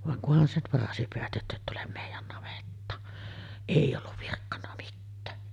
vaan kunhan sen varasi pidät jotta et tule meidän navettaan ei ollut virkkonut mitään